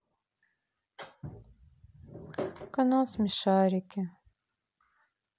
канал смешарики